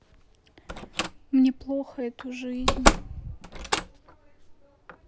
мне плохо эту жизнь